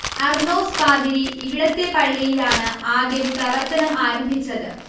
Arnos പാതിരി ഇവിടത്തെ പള്ളിയിലാണ് ആദ്യം പ്രവർത്തനം ആരംഭിച്ചത്